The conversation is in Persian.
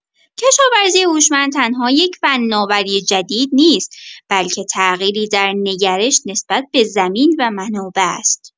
کشاورزی هوشمند تنها یک فناوری جدید نیست، بلکه تغییری در نگرش نسبت به زمین و منابع است.